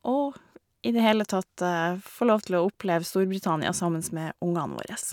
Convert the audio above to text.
Og i det hele tatt få lov til å oppleve Storbritannia sammen med ungene våre.